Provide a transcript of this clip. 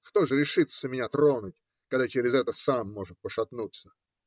Кто ж решится меня тронуть, когда через это самое может пошатнуться?